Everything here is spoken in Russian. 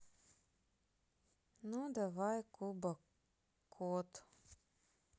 ну давай кубокот